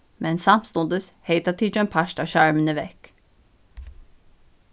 men samstundis hevði tað tikið ein part av sjarmuni vekk